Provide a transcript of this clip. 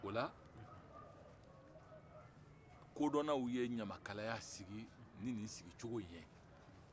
o la kodɔnaw ye ɲamakala sigi ni nin sigicogo in ye